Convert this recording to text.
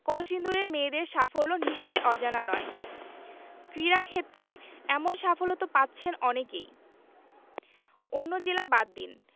কলসিন্দুরের মেয়েদের সাফল্য নিশ্চয়ই অজানা নয় ক্রীড়াক্ষেত্রে এমন সাফল্য তো পাচ্ছেন অনেকেই অন্য জেলা বাদ দিন